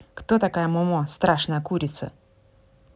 кто такая момо страшная курица